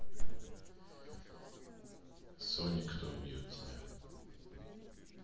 sonic кто убьет тебя